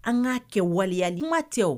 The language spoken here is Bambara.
An k ka kɛ waleyali ma tɛ